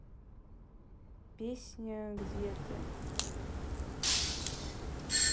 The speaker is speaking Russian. песня где ты